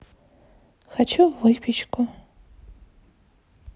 хочу выпечку